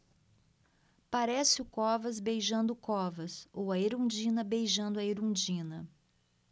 parece o covas beijando o covas ou a erundina beijando a erundina